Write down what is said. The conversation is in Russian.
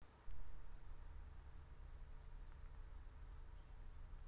отправь весточку хриплый голос ассистентов